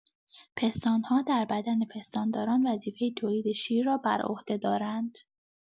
پستان‌ها در بدن پستانداران وظیفه تولید شیر را بر عهده دارند.